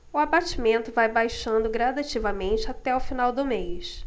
o abatimento vai baixando gradativamente até o final do mês